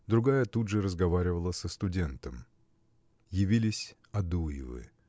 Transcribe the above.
другая тут же разговаривала со студентом. Явились Адуевы.